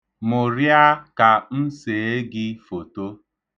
Mụrịa ka m see gị foto.